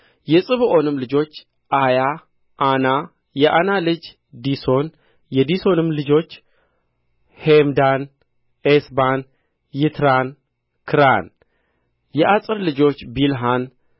የጽብዖንም ልጆች አያ ዓና የዓና ልጅ ዲሶን የዲሶንም ልጆች ሔምዳን ኤስባን ይትራን ክራን የኤጽር ልጆች ቢልሐን